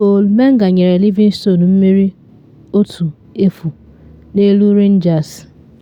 Goolu Menga nyere Livingston mmeri 1-0 n’elu Rangers